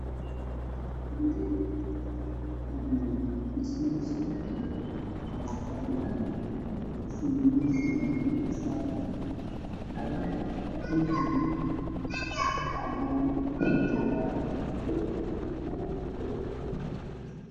Waa guri isma ka socda lkeeti waxaa hor yaalla bacgudoodaan dhagaxaan